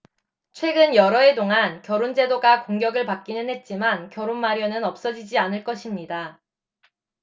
최근 여러 해 동안 결혼 제도가 공격을 받기는 했지만 결혼 마련은 없어지지 않을 것입니다